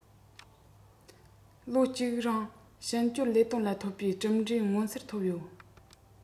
ལོ གཅིག རིང ཤིན སྐྱོར ལས དོན ལ ཐོབ པའི གྲུབ འབྲས མངོན གསལ ཐོབ ཡོད